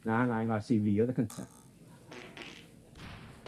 Na, na, ngwas i fi o'dd y cynta.